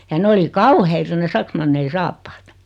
ja ne oli kauheita ne saksmannien saappaat